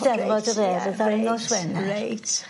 'Steddfod yr Urdd ar nos Wener.